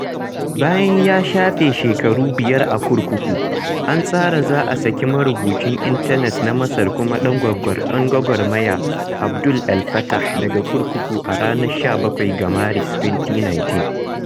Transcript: Bayan ya shafe shekaru biyar a kurkuku, an tsara za a saki marubucin intanet na Masar kuma ɗan gwagwarmaya, Abd El Fattah daga kurkuku a ranar 17 ga Maris, 2019.